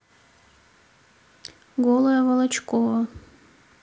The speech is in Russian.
голая волочкова